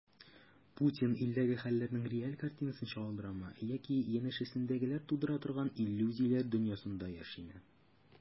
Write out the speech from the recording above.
Путин илдәге хәлләрнең реаль картинасын чагылдырамы яки янәшәсендәгеләр тудыра торган иллюзияләр дөньясында яшиме?